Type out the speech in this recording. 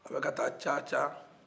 a bɛ ka taa caca